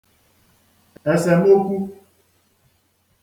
èsèmokwu